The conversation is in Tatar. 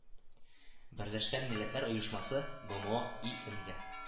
Берләшкән Милләтләр Оешмасы, БМО инг